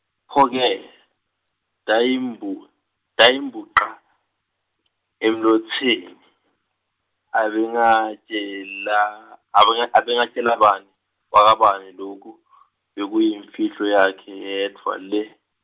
Pho-ke, tayimbuca tayimbuca emlotseni, abengatjela, abenga- abengatjela bani, wakabani loku , bekuyimfihlo yakhe yedvwa le.